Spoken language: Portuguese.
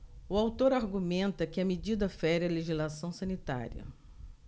o autor argumenta que a medida fere a legislação sanitária